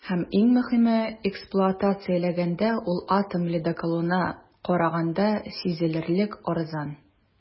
Һәм, иң мөһиме, эксплуатацияләгәндә ул атом ледоколына караганда сизелерлек арзан.